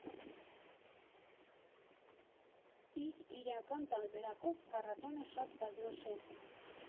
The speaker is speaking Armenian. Իր իրական տարբերակով փառատոնը շատ բազմաշերտ է։